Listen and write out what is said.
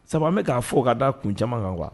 Sabu an bɛ k'a fɔ k ka da kun caaman kan quoi